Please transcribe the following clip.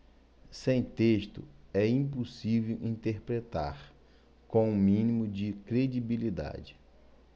sem texto é impossível interpretar com o mínimo de credibilidade